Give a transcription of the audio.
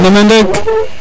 in way meen rek